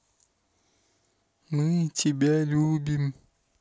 мы тебя любим